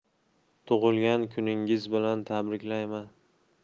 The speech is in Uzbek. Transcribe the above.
tug'ilgan kuningiz bilan tabriklayman